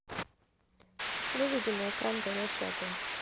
выведи на экран горящий огонь